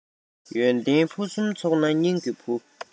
ཡོན ཏན ཕུན སུམ ཚོགས ན སྙིང གི བུ